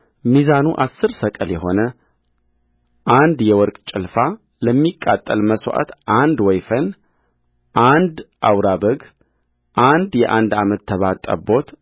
ሚዛኑ አሥር ሰቅል የሆነ አንድ የወርቅ ጭልፋለሚቃጠል መሥዋዕት አንድ ወይፈን አንድ አውራ በግ አንድ የአንድ ዓመት ተባት ጠቦት